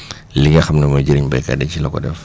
li nga xam ne mooy jëriñ béykat yi ci la ko def